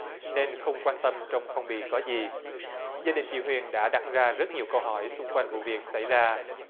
nên không quan tâm trong phong bì có gì gia đình chị huyền đã đặt ra rất nhiều câu hỏi xung quanh vụ việc xảy ra